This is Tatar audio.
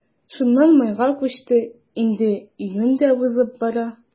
Шуннан майга күчте, инде июнь дә узып бара.